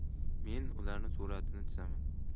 men ularning suratini chizaman